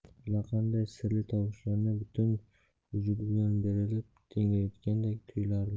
allaqanday sirli tovushlarni butun vujudi bilan berilib tinglayotgandek tuyulardi